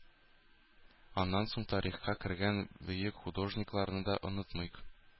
Аннан соң тарихка кергән бөек художникларны да онытмыйк.